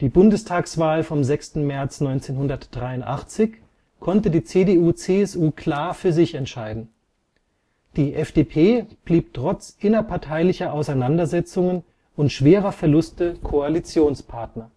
Bundestagswahl vom 6. März 1983 konnte die CDU/CSU klar für sich entscheiden, die FDP blieb trotz innerparteilicher Auseinandersetzungen und schwerer Verluste Koalitionspartner